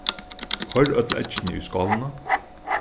koyr øll eggini í skálina